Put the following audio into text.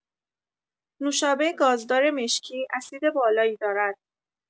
نوشابه گازدار مشکی اسید بالایی دارد.